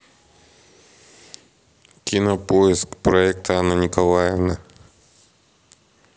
кинопоиск проект анна николаевна